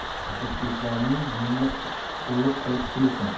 asadbeklaring menga qulluq qilib kelsin